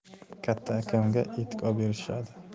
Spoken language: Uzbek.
katta akamga etik oberishadi